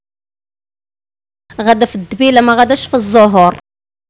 غاده الدبه لما قدش في الظهر